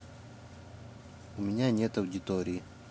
у меня нет аудитории